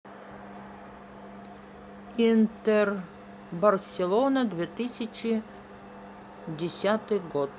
интер барселона две тысячи десятый год